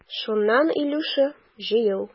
Шуннан, Илюша, җыел.